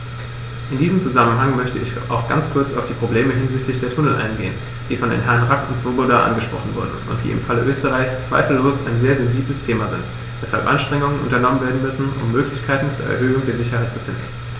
In diesem Zusammenhang möchte ich auch ganz kurz auf die Probleme hinsichtlich der Tunnel eingehen, die von den Herren Rack und Swoboda angesprochen wurden und die im Falle Österreichs zweifellos ein sehr sensibles Thema sind, weshalb Anstrengungen unternommen werden müssen, um Möglichkeiten zur Erhöhung der Sicherheit zu finden.